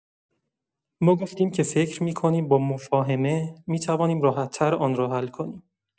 ما گفتیم که فکر می‌کنیم با مفاهمه، می‌توانیم راحت‌تر آن را حل کنیم.